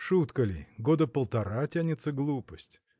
шутка ли, года полтора тянется глупость.